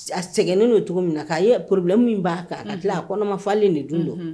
A sɛgɛnnen'o cogo min na k'a ye pbilɛ min b'a kan la dila a kɔnɔma fɔlen de dun don